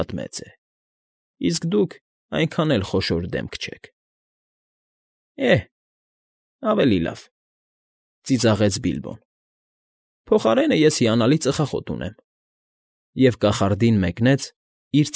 Շատ մեծ է, իսկ դուք այնքան էլ խոշոր դեմք չեք… ֊ Է՛հ,֊ ավելի լավ…֊ ծիծաղեց Բիլբոն։֊ Փոխարենը ես հիանալի ծխախոտ ունեմ… Եվ կախարդին մեկնեցիր։